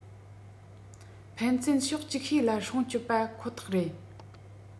ཕན ཚུན ཕྱོགས ཅིག ཤོས ལ སྲུང སྐྱོབ པ ཁོ ཐག རེད